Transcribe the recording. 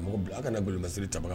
A ka bolilasiri caman